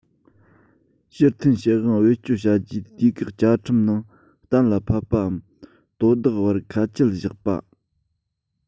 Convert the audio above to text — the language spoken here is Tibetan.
ཕྱིར འཐེན བྱེད དབང བེད སྤྱོད བྱ རྒྱུའི དུས བཀག བཅའ ཁྲིམས ནང གཏན ལ ཕབ པའམ དོ བདག བར ཁ ཆད བཞག པ